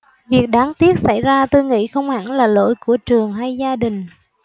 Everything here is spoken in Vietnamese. việc đáng tiếc xảy ra tôi nghĩ không hẳn là lỗi của trường hay gia đình